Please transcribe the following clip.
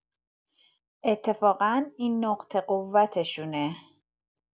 اتفاقا این نقطه قوتشونه.